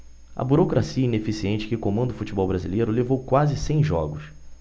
a burocracia ineficiente que comanda o futebol brasileiro levou quase cem jogos